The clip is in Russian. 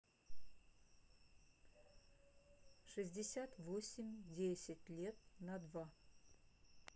шестьдесят восемь десять лет на два